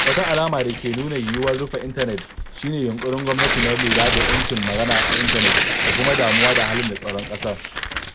Wata alamar da ke nuna yiwuwar rufe intanet shi ne yunƙurin gwamnati na lura da 'yancin magana a intanet da sunan damuwa da halin tsaron ƙasa.